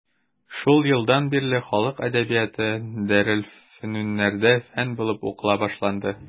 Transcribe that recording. Шул елдан бирле халык әдәбияты дарелфөнүннәрдә фән булып укыла башланды.